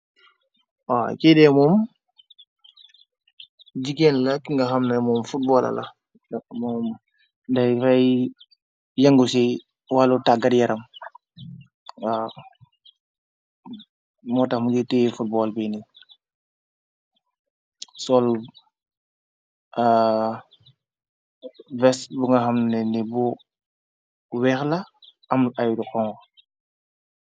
Kidemoom jigéen la nga xam nan moom futboola lamoom day fay yëngu ci walu tàggar yaram motam ju tee fotbol bi ni sol ves bu nga xamne ni bu weex la amul aylu xonku.